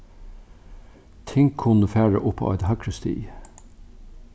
ting kunnu fara upp á eitt hægri stig